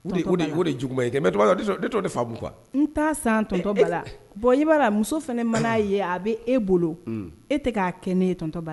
O de juguba ye kɛ mɛ t' de fabon kuwa n' santɔ bala la bɔ i b'a la muso fana mana n'a ye a bɛ e bolo e tɛ k'a kɛ ne tɔtɔ bala la